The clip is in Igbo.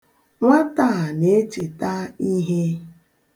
Nwata a na-echeta ihe.